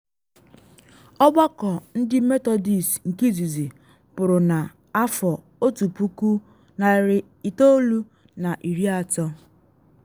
Ọgbakọ ndị Methodist nke izizi pụrụ na 1930.